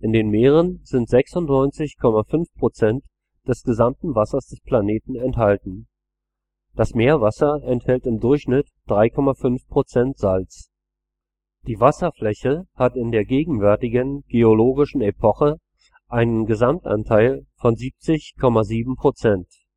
den Meeren sind 96,5 % des gesamten Wassers des Planeten enthalten. Das Meerwasser enthält im Durchschnitt 3,5 % Salz. Die Wasserfläche hat in der gegenwärtigen geologischen Epoche einen Gesamtanteil von 70,7 %